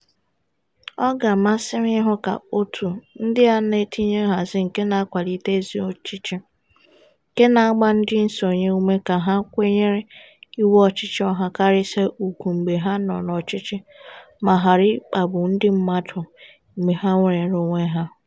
Ọ ga-amasị m ịhụ ka òtù ndị a na-etinye nhazi nke na-akwalite ezi ọchịchị, nke na-agba ndị nsonye ume ka ha kwanyere iwu ọchịchị ọhakarasị ùgwù mgbe ha nọ n'ọchịchị ma ghara ịkpagbu ndị mmadụ mgbe ha nweere onwe ha.